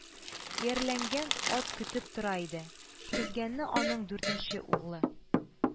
Иярләнгән ат көтеп тора иде, тезгенне аның дүртенче угълы